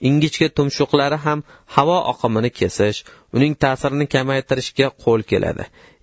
ingichka tumshuqlari ham havo oqimini kesish va uning ta'sirini kamaytirishga qo'l keladi